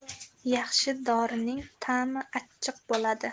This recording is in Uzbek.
yaxshi dorining tami achchiq bo'ladi